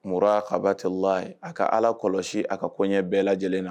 Mouraa kabatallahi a ka Ala kɔlɔsi a ka koɲɛ bɛɛ lajɛlen na